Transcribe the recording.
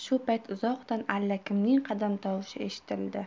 shu payt uzoqdan allakimning qadam tovushi eshitildi